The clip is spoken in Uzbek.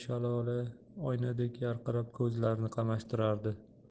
shalola oynadek yarqirab ko'zlarni qamashtirardi